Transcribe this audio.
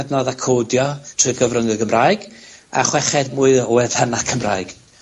adnodda' codio trwy'r gyfrwng y Gymraeg. A chweched mwy o o wefanna Cymraeg.